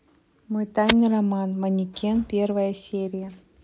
мой тайный роман манекен первая серия